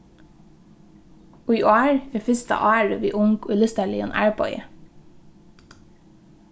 í ár er fyrsta árið við ung í listarligum arbeiði